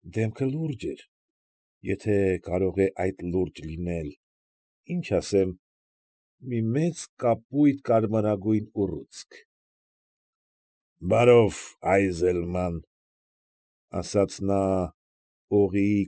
Դեմքը լուրջ էր, եթե կարող է այդ լուրջ լինել, ինչ ասեմ, մի մեծ կապույտ կարմրագույն ուռուցք։ ֊ Բարով, Այզելման,֊ ասաց նա օղիի։